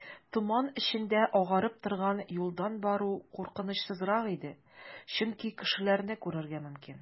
Томан эчендә агарып торган юлдан бару куркынычсызрак иде, чөнки кешеләрне күрергә мөмкин.